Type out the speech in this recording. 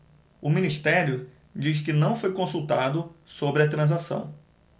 o ministério diz que não foi consultado sobre a transação